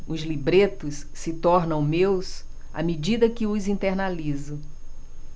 os libretos se tornam meus à medida que os internalizo